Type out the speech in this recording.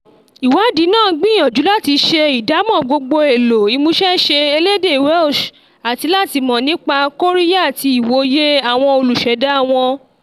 Ìwádìí náà gbìyànjú láti ṣe ìdámọ̀ gbogbo ohun èlò ìmúṣẹ́ṣe elédè Welsh, àti láti mọ̀ nípa àwọn kóríyá àti ìwòye àwọn olùṣẹ̀dá wọn.